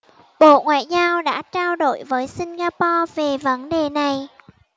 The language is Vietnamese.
bộ ngoại giao đã trao đổi với singapore về vấn đề này